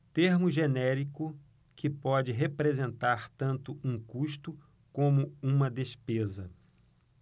termo genérico que pode representar tanto um custo como uma despesa